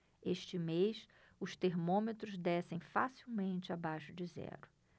este mês os termômetros descem facilmente abaixo de zero